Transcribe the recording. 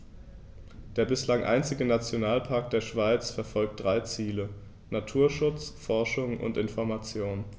Der bislang einzige Nationalpark der Schweiz verfolgt drei Ziele: Naturschutz, Forschung und Information.